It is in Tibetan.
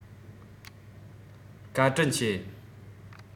བཀའ དྲིན ཆེ